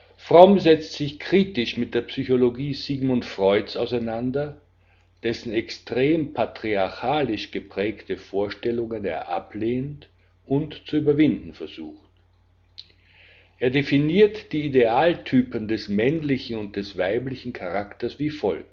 Fromm setzt sich kritisch mit der Psychologie Sigmund Freuds auseinander, dessen extrem patriarchalisch geprägte Vorstellungen er ablehnt und zu überwinden versucht. Er definiert die Idealtypen des männlichen und weiblichen Charakters wie folgt